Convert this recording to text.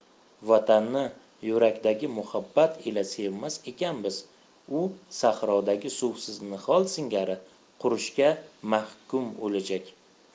vatanni yurakdagi muhabbat ila sevmas ekanmiz u sahrodagi suvsiz nihol singari qurishga mahkum o'lajak